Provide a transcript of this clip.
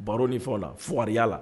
Baroin fɔ laugya la